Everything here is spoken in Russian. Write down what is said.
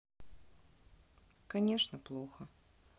конечно плохо